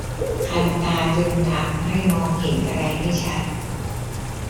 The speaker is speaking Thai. คันตาจนทำให้มองเห็นอะไรไม่ชัด